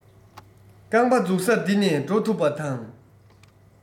རྐང པ འཛུགས ས འདི ནས འགྲོ ཐུབ པ དང